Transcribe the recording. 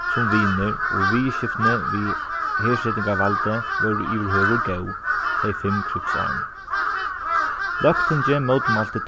sum vinir og viðurskiftini við hersetingarvaldið vóru yvirhøvur góð tey fimm krígsárini løgtingið mótmælti